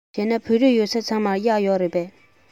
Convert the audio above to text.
བྱས ན བོད རིགས ཡོད ས ཚང མར གཡག ཡོད རེད པས